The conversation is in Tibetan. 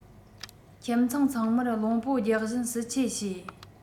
ཁྱིམ ཚང ཚང མར རླུང པོ རྒྱག བཞིན བསིལ ཆས བྱེད